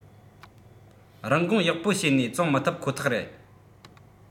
རིན གོང ཡག པོ བྱེད ནས བཙོང མི ཐུབ ཁོ ཐག རེད